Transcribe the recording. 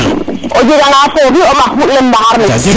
o jega nga fofi o ɓax fuɗ le ndaxar ne